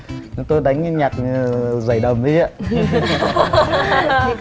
tôi đánh cái nhạc dẩy đầm ấy ạ